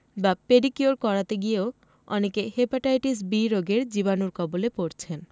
বা পেডিকিওর করাতে গিয়েও অনেকে হেপাটাইটিস বি রোগের জীবাণুর কবলে পড়ছেন